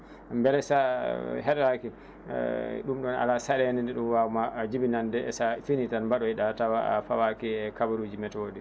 beele sa heeɗaki ɗum ɗon ala saɗende nde ɗum wawma jibinande e sa fini tan mbaɗoyɗa tawa a fawaki e kabaruji météo ɗi